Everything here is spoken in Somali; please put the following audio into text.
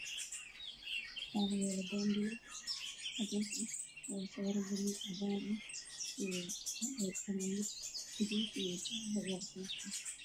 Meeshan waxaa yaallo khamiis